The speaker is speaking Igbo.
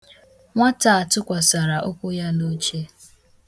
Nwata a tụkwasara ụkwụ ya n'oche.